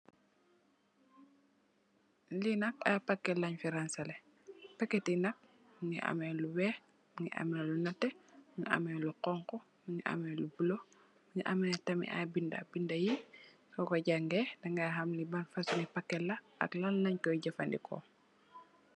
Li nak ay pakèt leen fi rangsalè. Pakèt yi nak mungi ameh lu weeh, mungi ameh lu nètè, mungi ameh lu honku, mungi ameh lu bulo, mungi ameh tamit ay binda. Binda yi soko jàngay daga ham li bant fasung yi pakèt la ak Lan leen koy jafadeko.